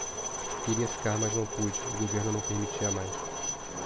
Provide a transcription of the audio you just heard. queria ficar mas não pude o governo não permitia mais